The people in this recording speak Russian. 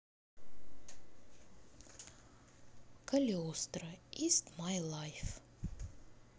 калиостро итс май лайф